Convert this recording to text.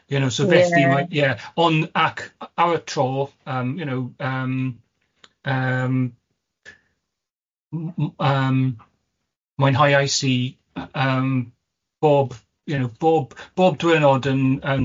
you know... Ie. ...so felly mae ie on- ac ar y tro yym you know yym yym m- yym mwynhauais i yy yym bob you know bob bob dwyrnod yn yn